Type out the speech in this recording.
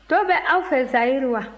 to bɛ aw fɛ zayiri wa